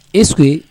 E su